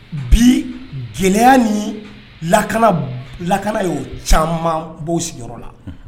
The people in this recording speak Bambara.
Bi gɛlɛya ni la lakana y'o caman' la